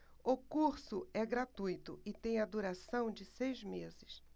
o curso é gratuito e tem a duração de seis meses